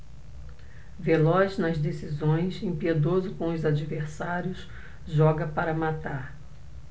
veloz nas decisões impiedoso com os adversários joga para matar